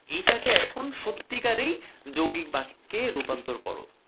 এটাকে এখন সত্যিকারেই যৌগিক বাক্যে রুপান্তর কর